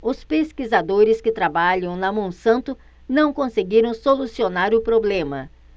os pesquisadores que trabalham na monsanto não conseguiram solucionar o problema